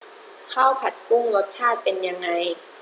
ข้าวผัดกุ้งรสชาติเป็นยังไง